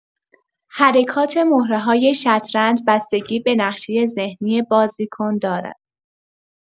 حرکات مهره‌های شطرنج بستگی به نقشه ذهنی بازیکن دارد.